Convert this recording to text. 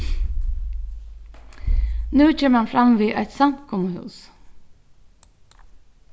nú kemur hann fram við eitt samkomuhús